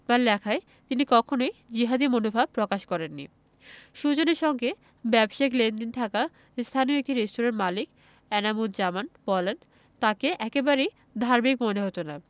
বা লেখায় তিনি কখনোই জিহাদি মনোভাব প্রকাশ করেননি সুজনের সঙ্গে ব্যবসায়িক লেনদেন থাকা স্থানীয় একটি রেস্তোরাঁর মালিক এনাম উজজামান বলেন তাঁকে একেবারেই ধার্মিক মনে হতো না